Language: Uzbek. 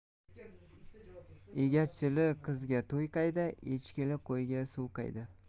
egachili qizga to'y qayda echkili qo'yga suv qayda